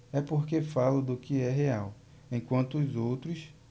é porque falo do que é real enquanto os outros